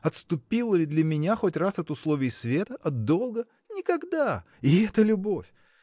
отступила ли для меня хоть раз от условий света, от долга? – никогда! И это любовь!!!